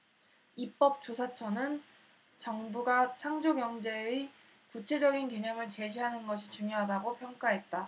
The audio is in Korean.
입법조사처는 정부가 창조경제의 구체적인 개념을 제시하는 것이 중요하다고 평가했다